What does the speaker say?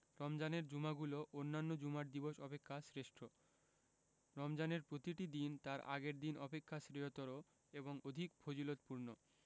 রমজানের জুমাগুলো অন্যান্য জুমার দিবস অপেক্ষা শ্রেষ্ঠ রমজানের প্রতিটি দিন তার আগের দিন অপেক্ষা শ্রেয়তর এবং অধিক ফজিলতপূর্ণ